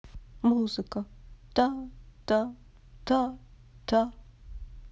музыка та та та та